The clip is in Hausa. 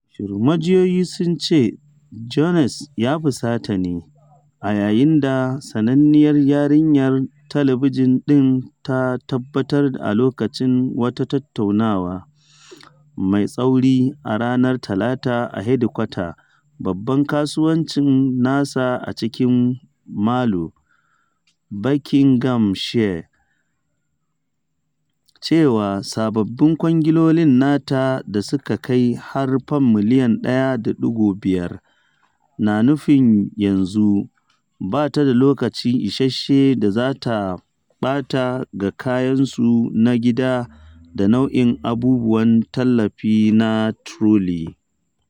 Majiyoyi sun ce Jones ya ‘fusata’ ne a yayin da sananniyar yarinyar talabijin ɗin ta tabbatar a lokacin wata tattaunawa mai tsauri a ranar Talata a hedikwatar babban kasuwancin nasa a cikin Marlow, Buckinghamshire, cewa sababbin kwangilolin nata - da suka kai har Fam miliyan 1.5 - na nufin yanzu ba ta da lokaci isasshe da za ta ɓata ga kayansu na gida da nau’in abubuwan tallafi na Truly.